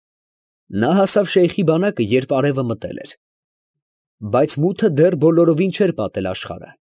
Նա հասավ շեյխի բանակը, երբ արևը մտել էր. բայց մութը դեռ բոլորովին չէր պատել աշխարհը։